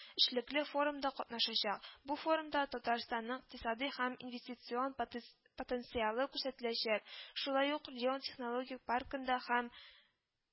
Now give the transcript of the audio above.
Эшлекле форумда катнашачак, бу форумда татарстанның икътисадый һәм инвестицион потенс потенциалы күрсәтеләчәк, шулай ук лион технологик паркында һәм